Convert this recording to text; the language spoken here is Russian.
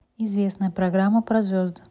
известная программа про звезд